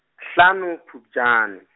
hlano Phupjane.